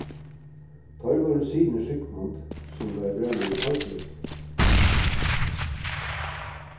teir vóru synir sigmund sum var bróðir torbjørn